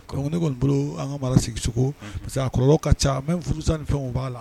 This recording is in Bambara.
ne kɔni bolo an ka mara segin so parce que a kɔlɔlɔ ka ca même furusa ni fɛnw b'a la